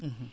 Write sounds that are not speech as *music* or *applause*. *hesitation* *hesitation*